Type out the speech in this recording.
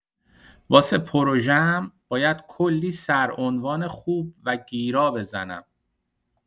واسه پروژه‌م، باید کلی سرعنوان خوب و گیرا بزنم.